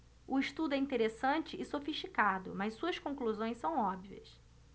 o estudo é interessante e sofisticado mas suas conclusões são óbvias